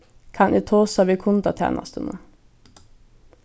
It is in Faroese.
kann eg tosa við kundatænastuna